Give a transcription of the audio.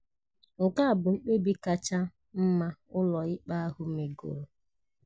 Nke a bụ mkpebi kacha mma ụlọ ikpe ahụ metụgoro